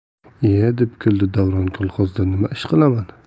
ie deb kuldi davron kolxozda nima ish qilaman